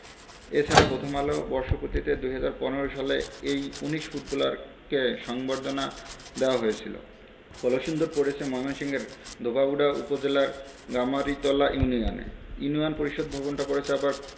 এ ছাড়া প্রথম আলোর বর্ষপূর্তিতে ২০১৫ সালে এই ১৯ ফুটবলারকে সংবর্ধনা দেওয়া হয়েছিল কলসিন্দুর পড়েছে ময়মনসিংহের ধোবাউড়া উপজেলার গামারিতলা ইউনিয়নে ইউনিয়ন পরিষদ ভবনটা পড়েছে আবার